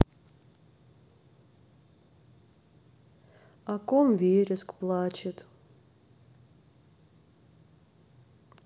о ком вереск плачет